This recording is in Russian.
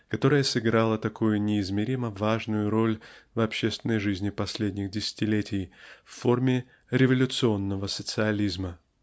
которое сыграло такую неизмеримо важную роль в общественной жизни последних десятилетий в форме революционного социализма.